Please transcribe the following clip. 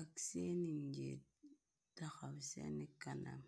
ak seeni ngir daxaw seni kanam.